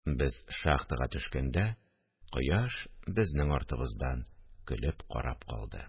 Без шахтага төшкәндә, кояш безнең артыбыздан көлеп карап калды